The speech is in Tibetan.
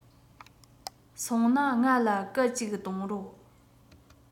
སོང ན ང ལ སྐད ཅིག གཏོང རོགས